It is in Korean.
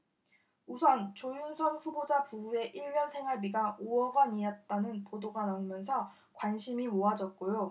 우선 조윤선 후보자 부부의 일 년 생활비가 오 억 원이었다는 보도가 나오면서 관심이 모아졌고요